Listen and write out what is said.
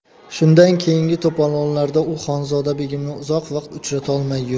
shundan keyingi to'polonlarda u xonzoda begimni uzoq vaqt uchratolmay yurdi